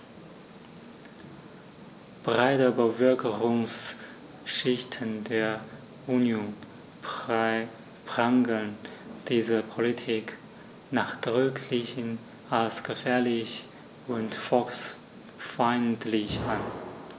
Breite Bevölkerungsschichten der Union prangern diese Politik nachdrücklich als gefährlich und volksfeindlich an.